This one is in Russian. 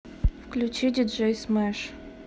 включи диджей смэш